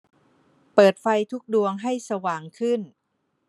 เปิดไฟทุกดวงให้สว่างขึ้น